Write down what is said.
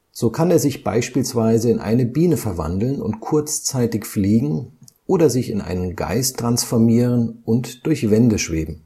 So kann er sich beispielsweise in eine Biene verwandeln und kurzzeitig fliegen oder sich in einen Geist transformieren und durch Wände schweben